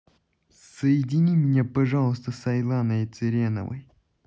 соедини меня пожалуйста с айланой цыреновой